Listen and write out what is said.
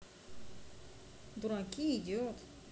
дураки идет